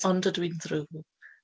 Ond ydw i'n ddrwg?